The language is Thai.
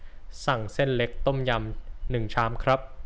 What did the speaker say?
สั่งเส้นเล็กต้มยำหนึ่่งชามครับ